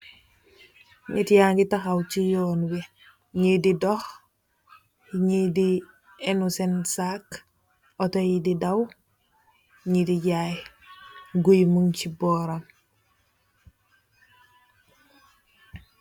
Nit yange takhaw si yun bi nyi di dokh nyi di enu sen sac autor yi di daw nyi di jaye guye mung si boram.